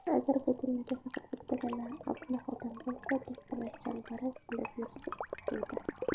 agar bu dunyoda faqat bittagina ablah odam bo'lsa do'ppini chambarak qilib yursa arzirdi